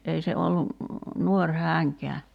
ei se ollut nuori hänkään